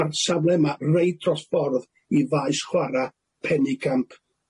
ma'r safle yma reit dros ffordd i faes chwara' penigamp